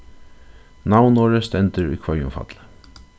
navnorðið stendur í hvørjumfalli